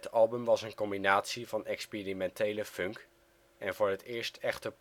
album was een combinatie van experimentele funk en voor het eerst echte